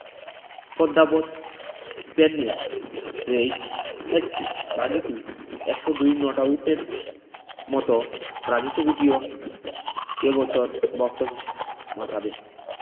Padmaavat Padman Raid Hichki Baaghi two ১০২ not আউটের মতো রাজী ছবিটিও এ বছর বক্স অফিস মাতাবে